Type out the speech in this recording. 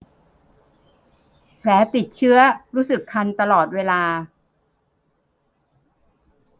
แผลติดเชื้อรู้สึกคันตลอดเวลา